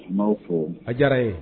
Ni b'aw fɔ. A diyara n ye.